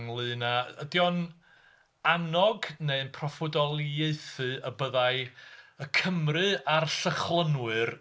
..ynglyn â... Ydi o'n annog, neu proffwydoliaethu y byddai y Cymry a'r Llychlynwyr...